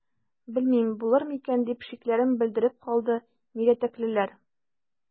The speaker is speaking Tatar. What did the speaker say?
Белмим, булыр микән,– дип шикләрен белдереп калды мирәтәклеләр.